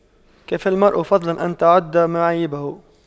كفى المرء فضلا أن تُعَدَّ معايبه